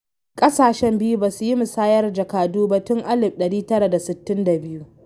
Ƙasashen biyun ba su yi musayar jakadu ba tun 1962.